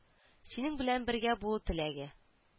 Синең белән бергә булу теләге